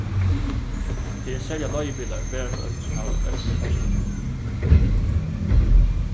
tað eru serliga leigubilar og ferðafólk sum hava økt um ferðsluna